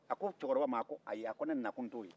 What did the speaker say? a ko cɛkɔrɔba ma ayi ne nakun t'o ye